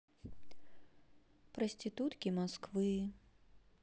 проститутки москвы